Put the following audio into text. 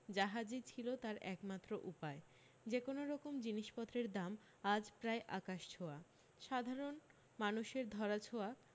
জাহাজি ছিল তার একমাত্র উপায় যে কোনোরকম জিনিসপত্রের দাম আজ প্রায় আকাশছোঁয়া সাধারণ মানুষের ধরাছোঁয়া